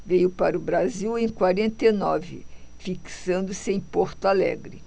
veio para o brasil em quarenta e nove fixando-se em porto alegre